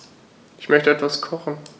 Ich möchte etwas kochen.